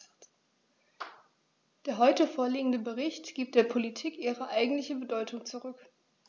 Der heute vorliegende Bericht gibt der Politik ihre eigentliche Bedeutung zurück.